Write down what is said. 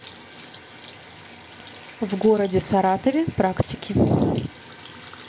в городе саратове практики